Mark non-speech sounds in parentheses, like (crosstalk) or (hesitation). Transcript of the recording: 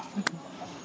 (hesitation) (hesitation) (noise)